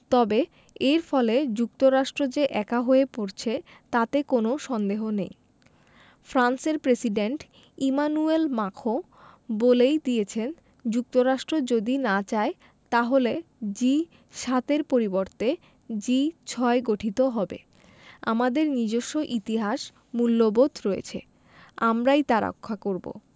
তবে এর ফলে যুক্তরাষ্ট্র যে একা হয়ে পড়ছে তাতে কোনো সন্দেহ নেই ফ্রান্সের প্রেসিডেন্ট ইমানুয়েল মাখোঁ বলেই দিয়েছেন যুক্তরাষ্ট্র যদি না চায় তাহলে জি ৭ এর পরিবর্তে জি ৬ গঠিত হবে আমাদের নিজস্ব ইতিহাস মূল্যবোধ রয়েছে আমরাই তা রক্ষা করব